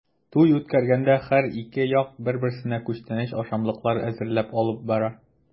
Туй үткәргәндә һәр ике як бер-берсенә күчтәнәч-ашамлыклар әзерләп алып бара.